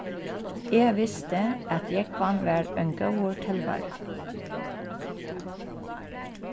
eg visti at jógvan var ein góður telvari